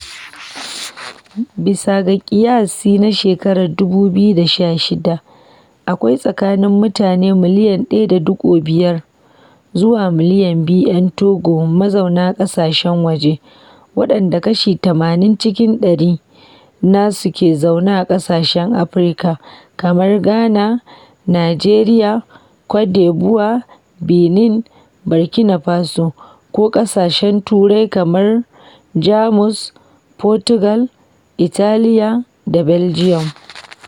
Bisa ga ƙiyasi na shekarar 2016, akwai tsakanin mutane miliyan 1.5 zuwa miliyan 2 'yan Togo mazauna ƙasashen waje, waɗanda kashi 80 cikin ɗari nasu ke zaune a ƙasashen Afirka, kamar Ghana, Najeriya, Kwade buwa, Benin, Burkina Faso, ko ƙasashen Turai kamar Jamus, Fotugal, Italiya, da Beljiyum.